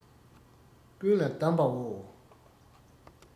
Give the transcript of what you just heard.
ཀུན ལ གདམས པ འོ